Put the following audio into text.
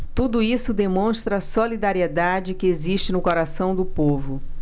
tudo isso demonstra a solidariedade que existe no coração do povo